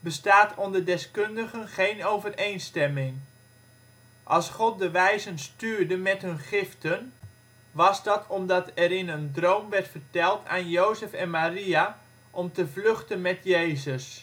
bestaat onder deskundigen geen overeenstemming. Als God de Wijzen stuurde met hun giften, was dat omdat er in een droom werd verteld aan Jozef en Maria om te vluchten met Jezus